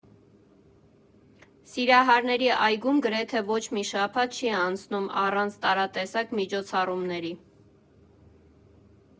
Սիրահարների այգում գրեթե ոչ մի շաբաթ չի անցնում առանց տարատեսակ միջոցառումների։